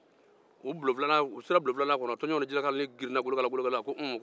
u sera bulon filanan kɔnɔ tɔnjɔnw ni jelekalanin girinna kolokala kolokala o ko ununu